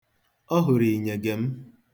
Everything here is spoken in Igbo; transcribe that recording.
Ọ hụrụ inyege m.